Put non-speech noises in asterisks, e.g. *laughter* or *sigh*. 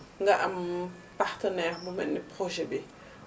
nga am *hesitation* partenaire bu mel ni projet bi